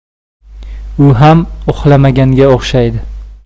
u ham uxlamaganga uxshaydi